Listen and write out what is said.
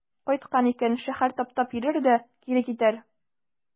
Кайткан икән, шәһәр таптап йөрер дә кире китәр.